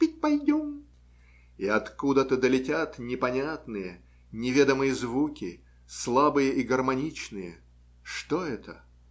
пить пойдем!", то откуда-то долетят непонятные, неведомые звуки, слабые и гармоничные что это?